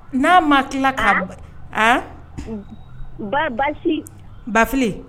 N'a ma tila k'a a ba basi bafi